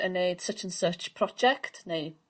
yn wneud such and such project neu